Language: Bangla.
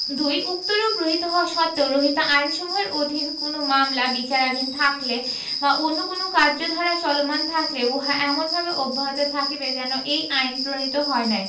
২ উক্তরূপ রহিত হওয়া সত্ত্বেও রহিত আইনসমূহের অধীন কোন মামলা বিচারাধীন থাকলে বা অন্য কোন কার্যধারা চলমান থাকলে উহা এমনভাবে অব্যাহত থাকিবে যেন এই আইন প্রণীত হয় নাই